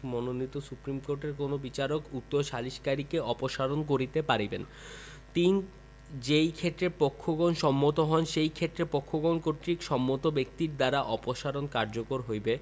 মনোনীত সুপ্রীমকোর্টের কোন বিচারক উক্ত সালিসকারীকে অপসারণ করিতে পারিবেন ৩ যেই ক্ষেত্রে পক্ষগণ সম্মত হন সেই ক্ষেত্রে পক্ষগণ কর্তৃক সম্মত ব্যক্তির দ্বারা অপসারণ কার্যকর হইবে